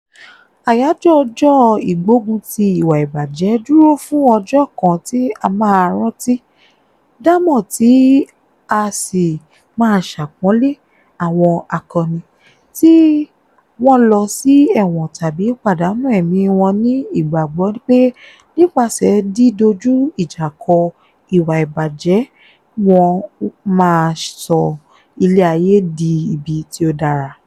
Àyájọ́ ọjọ́ ìgbógun ti ìwà ìbàjẹ́ dúró fún ọjọ́ kan tí a máa rántí, dámọ̀ tí a sì máa ṣàpọ́nlé àwọn akọni, tí wọ́n lọ sí ẹ̀wọ̀n tàbí pàdánù ẹ̀mí wọn ní ìgbàgbọ́ pé nípasẹ̀ di dojú ìjà kọ ìwà ìbàjẹ́ wọn máa sọ ilé ayé di ibi tí ó dára.